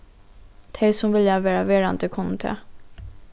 tey sum vilja verða verandi kunnu tað